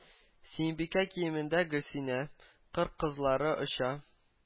Сөембикә киемендә Гөлсинә “Кыр кызлары оча…”